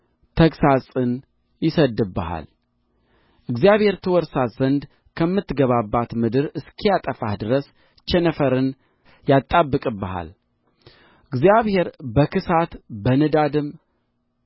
ተግሣጽን ይሰድድብሃል እግዚአብሔር ትወርሳት ዘንድ ከምትገባባት ምድር እስኪያጠፋህ ድረስ ቸነፈርን ያጣብቅብሃል እግዚአብሔር በክሳት በንዳድም